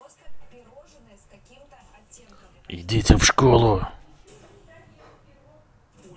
идите в школу